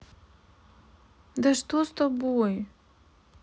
да что с тобой